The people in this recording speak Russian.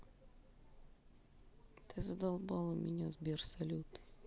ты задолбала меня сбер салют